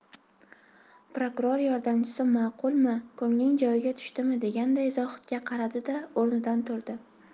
prokuror yordamchisi ma'qulmi ko'ngling joyiga tushdimi deganday zohidga qaradi da o'rnidan turdi